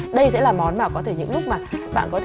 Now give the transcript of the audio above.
đây sẽ là món mà có thể những lúc mà bạn có thể